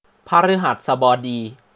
พฤหัสบดี